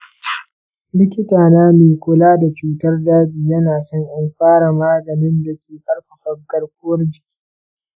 likitana mai kula da cutar daji yana son in fara maganin da ke ƙarfafa garkuwar jiki.